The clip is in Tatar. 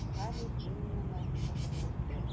Һарри Джиннины кысып үпте.